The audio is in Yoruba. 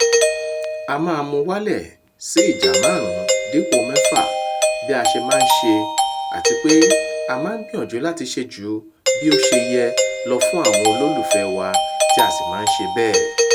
A máa mú wálẹ̀ sí ìjà márùn ún dípò mẹ́fà - bí a ṣe máa ń ṣe - àtipé a máa ń gbìyànjú láti ṣe jú bí ó ṣe yẹ lọ fún àwọn olólùfẹ́ wa tí a sì máa ń ṣe bẹ́ẹ̀.